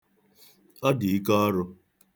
Ọ dị ike ọrụ.